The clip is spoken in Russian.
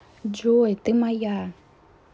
джой ты моя